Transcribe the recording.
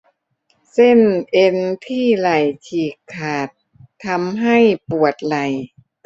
เส้นเอ็นที่ไหล่ฉีกขาดทำให้ปวดไหล่